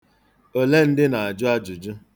Ole ndị na-ajụ ajụjụ?